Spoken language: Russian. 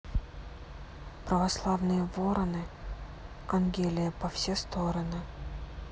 православные вороны ангелие по все стороны